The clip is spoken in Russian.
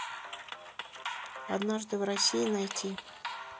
однажды в россии найти